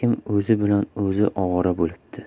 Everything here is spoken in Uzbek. bilan o'zi ovora bo'libdi